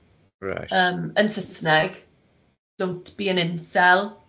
Yym yn Susneg don't be an incel.